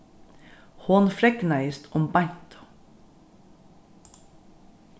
hon fregnaðist um beintu